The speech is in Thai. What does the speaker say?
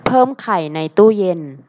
เพิ่มไข่ในตู้เย็น